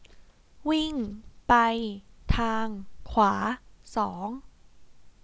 วิ่งไปทางขวาสอง